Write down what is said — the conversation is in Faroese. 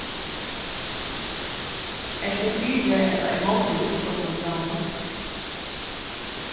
ert tú fyri ella ímóti hugskotinum hjá honum